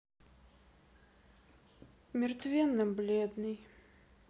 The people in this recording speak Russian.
мертвенно бледный